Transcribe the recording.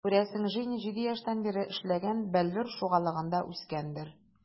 Күрәсең, Женя 7 яшьтән бирле эшләгән "Бәллүр" шугалагында үскәндер.